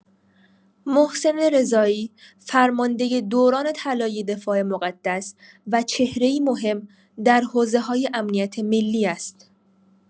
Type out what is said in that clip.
محسن رضایی فرمانده دوران طلایی دفاع مقدس و چهره‌ای مهم در حوزه‌های امنیت ملی است.